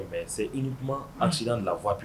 Se i ni kuma a sin lafi